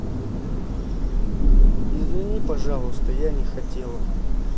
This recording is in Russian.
извини пожалуйста я не хотела